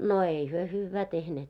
no ei he hyvää tehneet